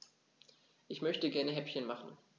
Ich möchte gerne Häppchen machen.